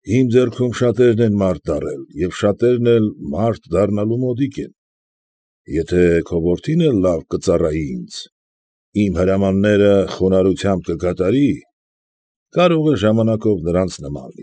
Իմ ձեռքում շատերն են մարդ դառել և շատերն էլ մարդ դառնալու մոտիկ են, եթե քո որդին էլ լավ կծառայի ինձ, իմ հրամանները խոնարհությամբ կկատարի, կարող է ժամանակով նրանց նման։